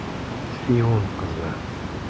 Сион кызы!